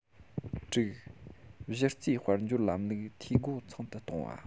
དྲུག གཞི རྩའི དཔལ འབྱོར ལམ ལུགས འཐུས སྒོ ཚང དུ གཏོང བ